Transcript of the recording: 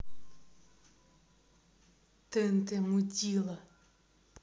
тнт мудила